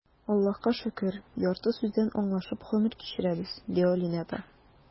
Аллаһыга шөкер, ярты сүздән аңлашып гомер кичерәбез,— ди Алинә апа.